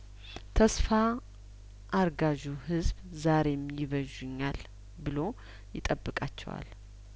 ተስፋ አርጋዡ ህዝብ ዛሬም ይበዡኛል ብሎ ይጠብቃቸዋል